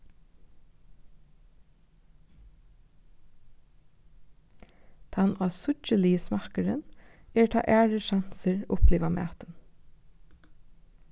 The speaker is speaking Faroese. tann ásíggiligi smakkurin er tá aðrir sansir uppliva matin